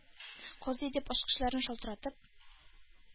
Казый!..-дип, ачкычларын шалтыратып,